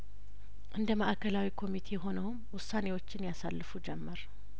እንደ ማእከላዊ ኮሚቴ ሆነውም ውሳኔዎችን ያሳልፉ ጀመር